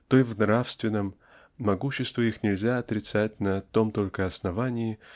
то и в нравственном могущества их нельзя отрицать на том только основании